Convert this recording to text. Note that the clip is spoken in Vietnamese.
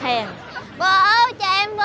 hèn vờ ơi chờ em